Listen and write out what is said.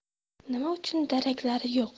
nima uchun daraklari yo'q